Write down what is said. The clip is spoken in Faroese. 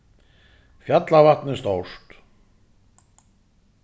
fjallavatn er stórt